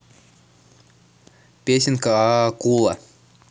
песенка а а а акула